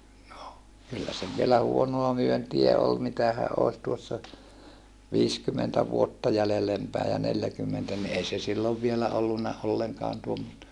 no kyllä se vielä huonoa myyntiä oli mitähän olisi tuossa viisikymmentä vuotta jäljelle päin ja neljäkymmentä niin ei se silloin vielä ollut ollenkaan tuommoista